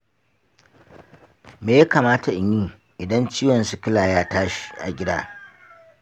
me ya kamata in yi idan ciwon sikila ya tashi a gida?